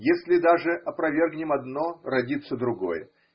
Если даже опровергнем одно, родится другое.